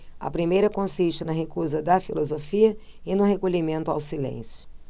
a primeira consiste na recusa da filosofia e no recolhimento ao silêncio